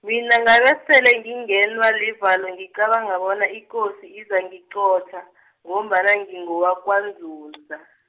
mina ngabesele ngingenwa livalo ngicabanga bona ikosi izangiqotha, ngombana ngingowakwaNzunza.